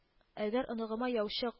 —әгәр оныгыма яучы